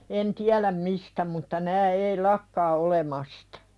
en tiedä mistä mutta nämä ei lakkaa olemasta